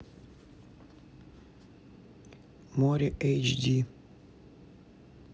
море эйч ди